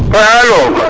waaw alo